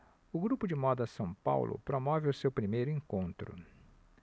o grupo de moda são paulo promove o seu primeiro encontro